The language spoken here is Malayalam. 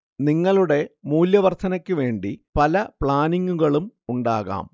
നിങ്ങളുടെ മൂല്യ വർദ്ധനക്ക് വേണ്ടി പല പ്ലാനിങ്ങുകളും ഉണ്ടാകാം